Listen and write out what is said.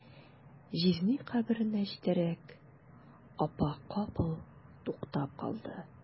Җизни каберенә җитәрәк, апа капыл туктап калды.